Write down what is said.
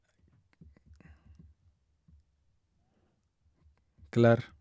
Klar.